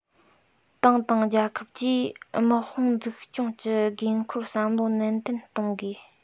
ཏང དང རྒྱལ ཁབ ཀྱིས དམག དཔུང འཛུགས སྐྱོང གི དགོས མཁོར བསམ བློ ནན ཏན གཏོང དགོས